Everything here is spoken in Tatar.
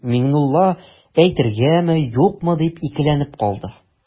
Миңнулла әйтергәме-юкмы дип икеләнеп калды.